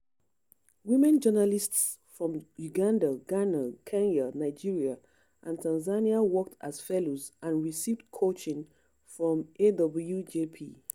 Women journalists from Uganda, Ghana, Kenya, Nigeria and Tanzania worked as fellows and received coaching from AWJP.